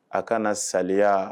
A kana saliya .